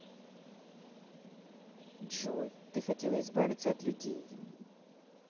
джой ты хотела избавиться от людей